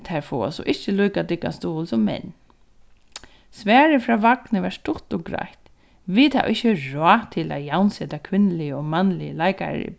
men tær fáa so ikki líka dyggan stuðul sum menn svarið frá vagni var stutt og greitt vit hava ikki ráð til at javnseta kvinnuligu og mannligu leikarar í